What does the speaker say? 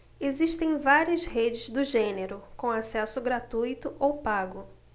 existem várias redes do gênero com acesso gratuito ou pago